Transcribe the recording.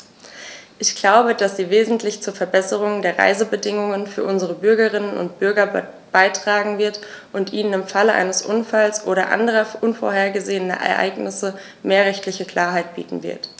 Ich glaube, dass sie wesentlich zur Verbesserung der Reisebedingungen für unsere Bürgerinnen und Bürger beitragen wird, und ihnen im Falle eines Unfalls oder anderer unvorhergesehener Ereignisse mehr rechtliche Klarheit bieten wird.